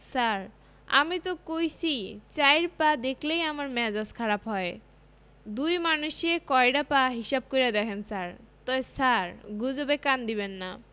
ছার আমি তো কইছিই চাইর পা দেখলেই আমার মেজাজ খারাপ হয় দুই মানুষে কয়ডা পা হিসাব কইরা দেখেন ছার তয় ছার গুজবে কান্দিবেন্না